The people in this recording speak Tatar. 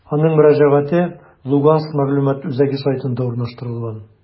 Аның мөрәҗәгате «Луганск мәгълүмат үзәге» сайтында урнаштырылган.